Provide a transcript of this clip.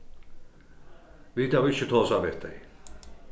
vit hava ikki tosað við tey